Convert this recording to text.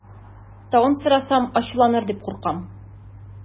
Тагын сорасам, ачуланыр дип куркам.